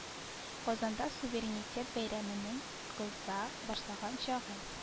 Казанда суверенитет бәйрәменең кыза башлаган чагы